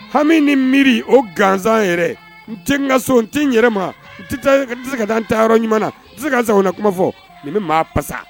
Hami ni miiri o gansan yɛrɛ n te n ka so n tɛ n yɛrɛ ma tɛ se ka taa n tayɔrɔ ɲuman na tɛ se ka z na kuma fɔ n bɛ maa pasa